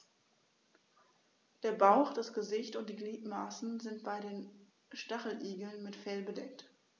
Der Bauch, das Gesicht und die Gliedmaßen sind bei den Stacheligeln mit Fell bedeckt.